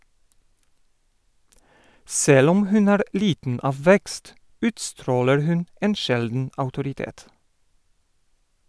Selv om hun er liten av vekst, utstråler hun en sjelden autoritet.